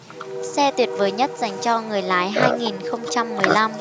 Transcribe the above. xe tuyệt vời nhất dành cho người lái hai nghìn không trăm mười lăm